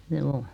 juu